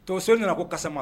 Tosoɲana ko kasama